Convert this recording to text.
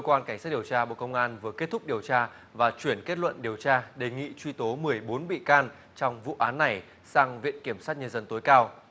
quan cảnh sát điều tra bộ công an vừa kết thúc điều tra và chuyển kết luận điều tra đề nghị truy tố mười bốn bị can trong vụ án này sang viện kiểm sát nhân dân tối cao